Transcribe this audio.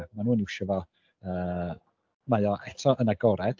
ma' nhw'n iwsio fo, yy mae o eto yn agored.